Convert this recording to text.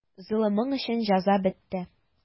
Золымың өчен җәза бетте.